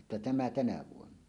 jotta tämä tänä vuonna